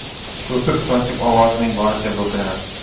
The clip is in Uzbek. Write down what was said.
ko'pik sochib ovozining boricha bo'kirardi